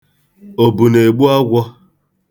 Obu na-egbu agwọ.